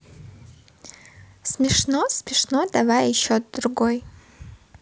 смешно смешно давай еще другой